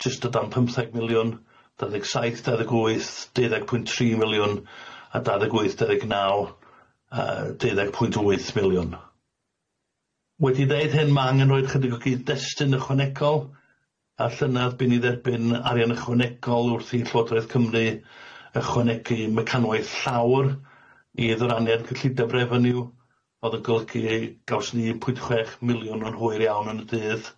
jyst o dan pymtheg miliwn dau ddeg saith dau ddeg wyth deuddeg pwynt tri miliwn a dau ddeg wyth dau ddeg naw yyy deuddeg pwynt wyth miliwn. Wedi ddeud hyn ma' angen roid chydig o gun-destun ychwanegol ar llynedd bu'n i dderbyn arian ychwanegol wrth i Llywodraeth Cymru ychwanegu mecanwaith llawn i ddyraniad gyllideb Revenue o'dd yn golygu gawsoni un pwynt chwech miliwn yn hwyr iawn yn y dydd.